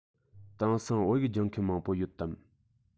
དེང སང བོད ཡིག སྦྱོང མཁན མང པོ ཡོད དམ